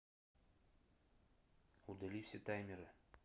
удали все таймеры